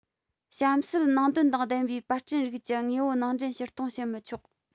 གཤམ གསལ ནང དོན དང ལྡན པའི པར སྐྲུན རིགས ཀྱི དངོས པོ ནང འདྲེན ཕྱིར གཏོང བྱེད མི ཆོག